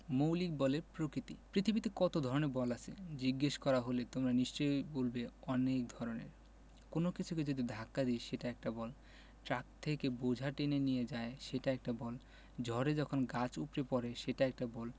মৌলিক বলের প্রকৃতি পৃথিবীতে কত ধরনের বল আছে জিজ্ঞেস করা হলে তোমরা নিশ্চয়ই বলবে অনেক ধরনের কোনো কিছুকে যদি ধাক্কা দিই সেটা একটা বল ট্রাক থেকে বোঝা টেনে নিয়ে যায় সেটা একটা বল